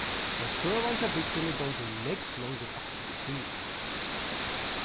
men søgan hjá bygdini gongur nógv longur aftur í tíðina